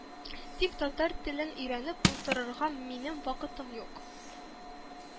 Тик татар телен өйрәнеп утырырга минем вакытым юк